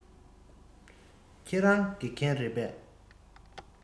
ཁྱེད རང དགེ རྒན རེད པས